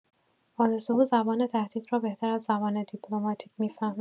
آل‌سعود زبان تهدید را بهتر از زبان دیپلماتیک می‌فهمد.